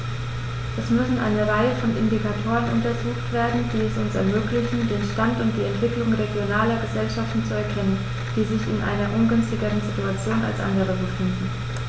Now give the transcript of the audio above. Es müssen eine Reihe von Indikatoren untersucht werden, die es uns ermöglichen, den Stand und die Entwicklung regionaler Gesellschaften zu erkennen, die sich in einer ungünstigeren Situation als andere befinden.